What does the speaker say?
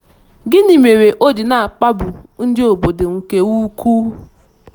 Gịnị mere o ji na-akpagbu ndị obodo nke ukwuu?